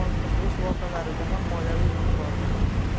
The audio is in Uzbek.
afg'oniston o'sh voqealari jahon moliyaviy inqirozi